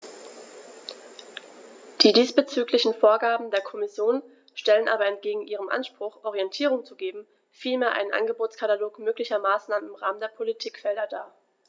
Die diesbezüglichen Vorgaben der Kommission stellen aber entgegen ihrem Anspruch, Orientierung zu geben, vielmehr einen Angebotskatalog möglicher Maßnahmen im Rahmen der Politikfelder dar.